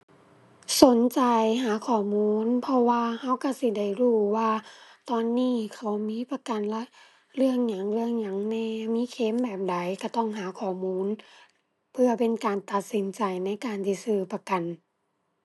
สนใจหาข้อมูล เพราะว่าเราเราสิได้รู้ว่า ตอนนี้เขามีประกันละเรื่องหยังเรื่องหยังแหน่ มีเคลมแบบใด เราต้องหาข้อมูลเพื่อเป็นการตัดสินใจในการสิซื้อประกัน